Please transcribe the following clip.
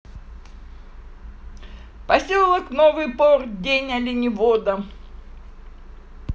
поселок новый порт день оленевода